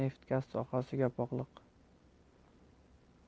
emas neft gaz sohasiga bog'liq